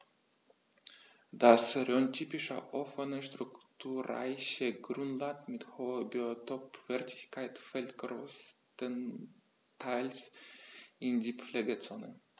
Das rhöntypische offene, strukturreiche Grünland mit hoher Biotopwertigkeit fällt größtenteils in die Pflegezone.